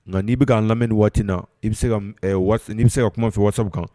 Nka n'i bɛ k'an lamɛnmi ni waati na i bɛ se ka kuma fɛ waasa kan